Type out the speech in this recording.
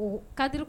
O kadi